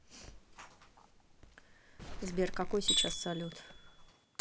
сбер какой сейчас салют